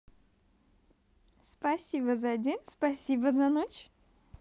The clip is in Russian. спасибо за день спасибо но за ночь